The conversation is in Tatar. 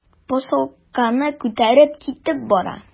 Посылканы күтәреп китеп бара.